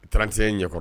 Tranti ɲɛkɔrɔ